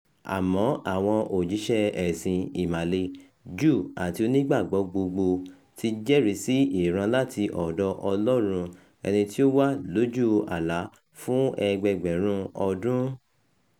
Àmọ́ àwọn òjíṣẹ́ ẹ̀sìn Ìmàle, Júù àti Onígbàgbọ́ gbogboó ti jẹ́rìí sí ìran láti ọ̀dọ̀ Ọlọ́run ent tí ó wá lójú àlá fún ẹgbẹẹgbẹ̀rún ọdún.